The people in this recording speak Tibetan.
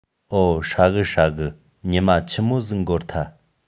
འོ ཧྲ གི ཧྲ གི ཉི མ ཆི མོ ཟིག འགོར ཐལ